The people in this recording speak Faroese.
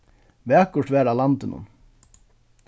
vakurt var á landinum